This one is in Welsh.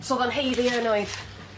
So o'dd o'n haeddu e yn oedd?